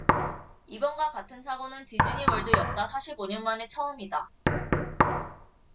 이번과 같은 사고는 디즈니월드 역사 사십 오 년 만에 처음이다